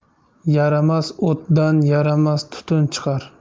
yaramas o'tdan yaramas tutun chiqar